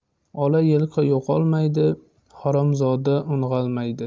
ola yilqi yo'qolmaydi haromzoda o'ng'almaydi